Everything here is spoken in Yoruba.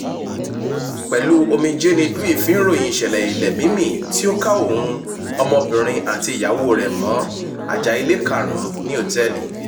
Pẹ̀lú omijé ni Dwi fi ń ròyìn ìṣẹ̀lẹ ilẹ̀ mímì tí ó ká òun, ọmọbìnrin àti iyawo re mọ́ àjà-ile karùn-ún ní hòtẹ́ẹ̀lì.